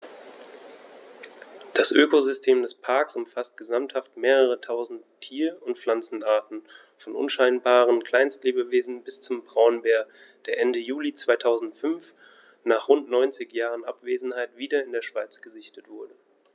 Das Ökosystem des Parks umfasst gesamthaft mehrere tausend Tier- und Pflanzenarten, von unscheinbaren Kleinstlebewesen bis zum Braunbär, der Ende Juli 2005, nach rund 90 Jahren Abwesenheit, wieder in der Schweiz gesichtet wurde.